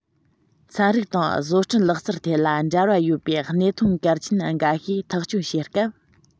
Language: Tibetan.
ཚན རིག དང བཟོ སྐྲུན ལག རྩལ ཐད ལ འབྲེལ བ ཡོད པའི གནད དོན གལ ཆེན འགའ ཤས ཐག གཅོད བྱེད སྐབས